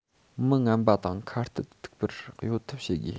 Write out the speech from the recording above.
མི ངན པ དང ཁ གཏད དུ ཐུག པར གཡོལ ཐབས བྱེད དགོས